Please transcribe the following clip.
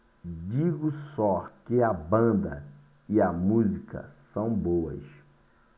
digo só que a banda e a música são boas